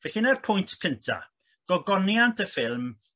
Felly dyna'r pwynt cynta' gogoniant y ffilm